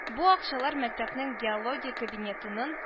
Бу акчалар мәктәпнең геология кабинетынын